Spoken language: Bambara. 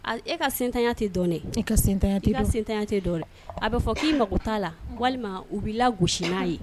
E ka sentanya tɛ dɔn dɛ, e ka sentanya tɛ don, e ka sentanya tɛ dɔn, a bɛ fɔ k'i mako t'a la, walima u b'i lagosi n'a ye!